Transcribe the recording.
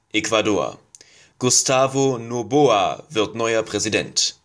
Ecuador: Gustavo Noboa wird neuer Präsident